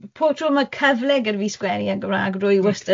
Pob tro ma' cyfle gyda fi sgwennu e'n Gymrâg, rwy wastad